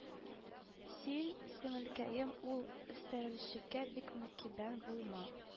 Син, сеңелкәем, ул өстерәлчеккә бик мөкиббән булма,